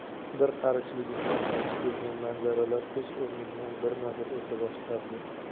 bir qarichligimdan tanish bo'lgan manzaralar ko'z o'ngimdan birma bir o'ta boshlardi